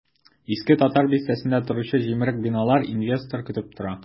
Иске татар бистәсендә торучы җимерек биналар инвестор көтеп кала.